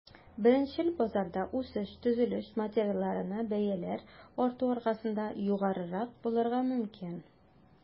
Беренчел базарда үсеш төзелеш материалларына бәяләр арту аркасында югарырак булырга мөмкин.